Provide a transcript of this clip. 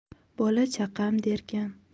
bola chaqam derkan